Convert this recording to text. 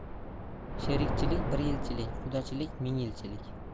sherikchilik bir yilchilik qudachilik ming yilchilik